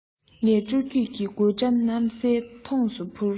ངས སྤྲོ སྐྱིད ཀྱི དགོད སྒྲ ནམ མཁའི མཐོངས སུ སྤུར